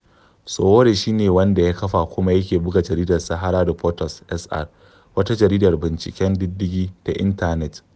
Sowore shi ne wanda ya kafa kuma yake buga jaridar SaharaReporters (SR) wata jaridar binciken diddigi ta intanet.